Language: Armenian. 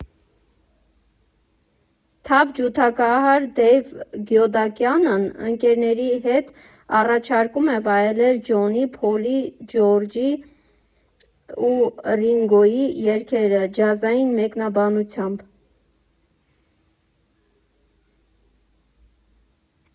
Թավջութակահար Դեյվ Գյոդակյանն ընկերների հետ առաջարկում է վայելել Ջոնի, Փոլի, Ջորջի ու Ռինգոյի երգերը ջազային մեկնաբանությամբ։